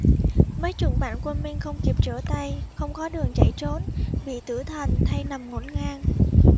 mấy chục vạn quân minh không kịp trở tay không có đường chạy trốn bị tử trận thây nằm ngổn ngang